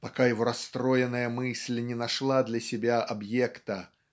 пока его расстроенная мысль не нашла для себя объекта